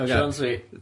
Trôns fi.